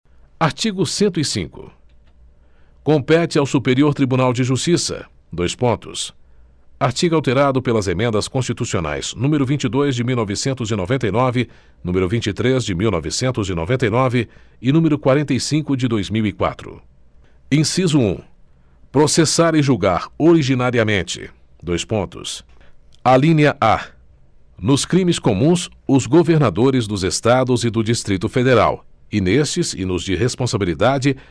artigo cento e cinco compete ao superior tribunal de justiça dois pontos artigo alterado pelas emendas constitucionais número vinte e dois de mil novecentos e noventa e nove número vinte e três de mil novecentos e noventa e nove e número quarenta e cinco de dois mil e quatro inciso um processar e julgar originariamente dois pontos alínea a nos crimes comuns os governadores dos estados e do distrito federal e nestes e nos de responsabilidade